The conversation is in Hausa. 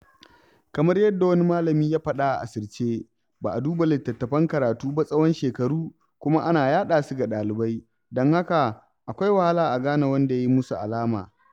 Kamar yadda wani malami ya faɗa a asirce, ba a duba littattafan karatun ba tsawon shekaru kuma ana yaɗa su ga ɗalibai, don haka akwai wahala a gane wanda ya yi musu alama.